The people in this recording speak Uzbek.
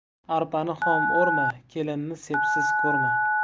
arpani xom o'rma kelinni sepsiz ko'rma